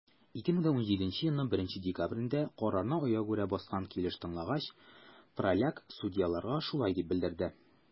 2017 елның 1 декабрендә, карарны аягүрә баскан килеш тыңлагач, праляк судьяларга шулай дип белдерде: